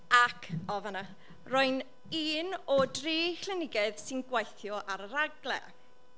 Ac. O, fan'na. Rwy'n un o dri clinigydd sy'n gweithio ar y raglen.